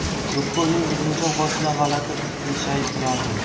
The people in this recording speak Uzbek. do'ppi uning uzunchoq boshida g'alati qiyshayib turardi